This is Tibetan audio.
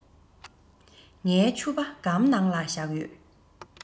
ངའི ཕྱུ པ སྒམ ནང ལ བཞག ཡོད